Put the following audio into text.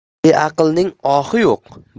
beaqlning ohi yo'q